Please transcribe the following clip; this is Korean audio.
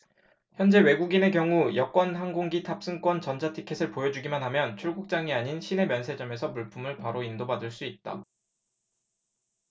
현재 외국인의 경우 여권 항공기 탑승권 전자티켓을 보여주기만 하면 출국장이 아닌 시내면세점에서 물품을 바로 인도받을 수 있다